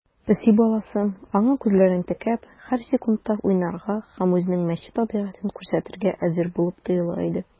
Песи баласы, аңа күзләрен текәп, һәр секундта уйнарга һәм үзенең мәче табигатен күрсәтергә әзер булып тоела иде.